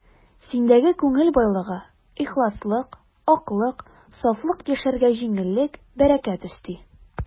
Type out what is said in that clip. Синдәге күңел байлыгы, ихласлык, аклык, сафлык яшәргә җиңеллек, бәрәкәт өсти.